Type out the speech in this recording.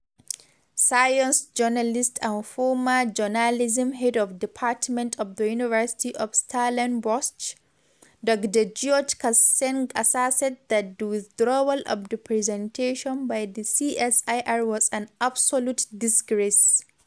Science journalist and former Journalism head of department of the University of Stellenbosch, Dr George Claassen asserted that the withdrawal of the presentation by the CSIR was an “absolute disgrace”.